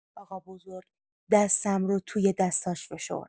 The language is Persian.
آقابزرگ دستم رو توی دست‌هاش فشرد.